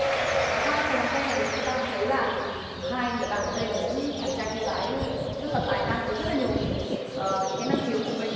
và qua cái phần làm quen này chúng ta cũng thấy là hai người bạn ở đây là những chàng trai cô gái rất là tài năng với rất là nhiều à những cái năng khiếu của mình